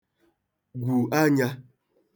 gwù anyā